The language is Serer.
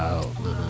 wawaw